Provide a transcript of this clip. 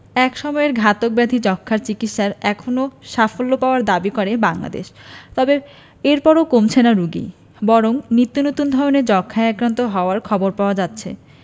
একসময়ের ঘাতক ব্যাধি যক্ষ্মার চিকিৎসায় এখন সাফল্য পাওয়ার দাবি করে বাংলাদেশ তবে এরপরও কমছে না রোগী বরং নিত্যনতুন ধরনের যক্ষ্মায় আক্রান্ত হওয়ার খবর পাওয়া যাচ্ছে